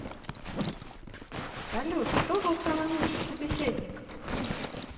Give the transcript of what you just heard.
салют кто был самый лучший собеседник